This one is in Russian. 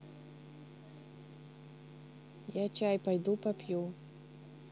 я чай пойду попью